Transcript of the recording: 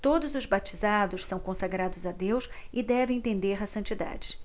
todos os batizados são consagrados a deus e devem tender à santidade